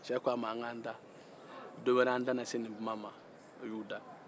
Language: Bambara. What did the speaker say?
cɛ k'a ma an k'an da don wɛrɛ an da na se ni kuma ma